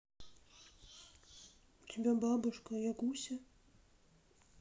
у тебя бабушка ягуся